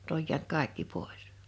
nyt on jäänyt kaikki pois